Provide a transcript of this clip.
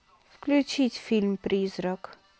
включить фильм призрак